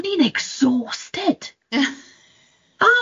O'n i'n exhausted!